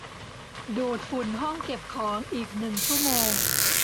ดูดฝุ่นห้องเก็บของอีกหนึ่งชั่วโมง